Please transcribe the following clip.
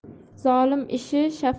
zolim ishi shafodir